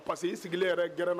Pa parce que i sigilen yɛrɛ gɛrɛ na